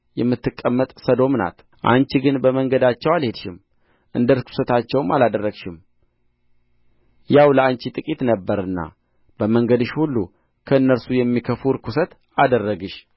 የምትቀመጥ ሰዶም ናት አንቺ ግን በመንገዳቸው አልሄድሽም እንደ ርኵሰታቸውም አላደረግሽም ያው ለአንቺ ጥቂት ነበረና በመንገድሽ ሁሉ ከእነርሱ የሚከፋ ርኵሰት አደረግሽ